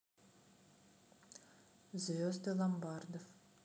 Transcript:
звезды ломбардов